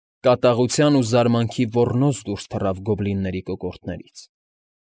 Կատաղության ու զարմանքի ոռնոց թռավ գոբլինների կոկորդներից։